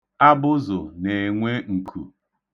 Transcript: Abụzụ na-enwe nku.